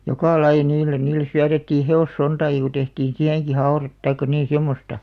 joka lajia niille niille syötettiin hevossontaakin kun tehtiin siihenkin haude tai niin semmoista